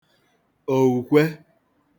òùkwe